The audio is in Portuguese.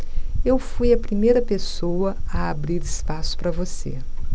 eu fui a primeira pessoa a abrir espaço para você